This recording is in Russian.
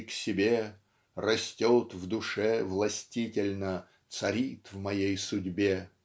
и к себе Растет в душе властительно царит в моей судьбе.